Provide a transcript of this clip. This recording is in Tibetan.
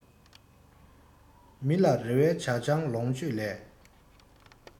མི ལ རེ བའི ཇ ཆང ལོངས སྤྱོད ལས